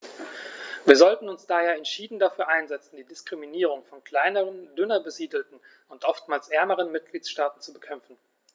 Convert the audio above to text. Wir sollten uns daher entschieden dafür einsetzen, die Diskriminierung von kleineren, dünner besiedelten und oftmals ärmeren Mitgliedstaaten zu bekämpfen.